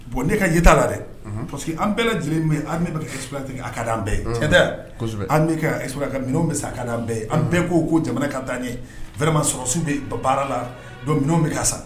Bon ne ka yeta la dɛ parce que an bɛɛ lajɛlen ye min ye an bɛ n'o exploiter a kad'an bɛ ye cɛn tɛ a kosɛbɛ an bɛ kɛ a exploiter minɛw be san a kad'an bɛ ye an bɛ ko ko jamana ka taaɲɛ vraiment sɔrɔsiw be ye u ka baara la don minnu bɛ ka san